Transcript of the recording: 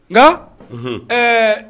Nka ɛɛ